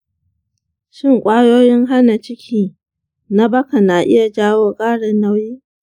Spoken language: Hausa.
shin kwayoyin hana ciki na baka na iya jawo ƙarin nauyi?